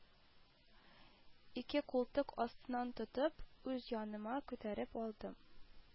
Ике култык астыннан тотып, үз яныма күтәреп алдым